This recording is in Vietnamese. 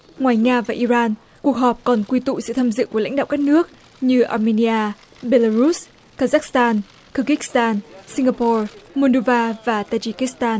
ngoài nga và i ran cuộc họp còn quy tụ sự tham dự của lãnh đạo các nước như a me ni a bê lờ rút cơn dách tan cơ kích tan sinh ga po môn đu va và ta chi kít tan